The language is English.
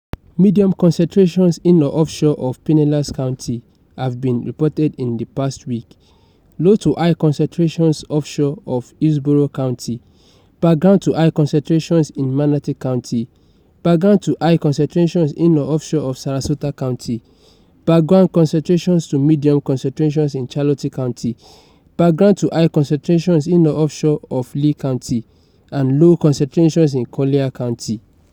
Medium concentrations in or offshore of Pinellas County have been reported in the past week, low to high concentrations offshore of Hillsborough County, background to high concentrations in Manatee County, background to high concentrations in or offshore of Sarasota County, background to medium concentrations in Charlotte County, background to high concentrations in or offshore of Lee County, and low concentrations in Collier County.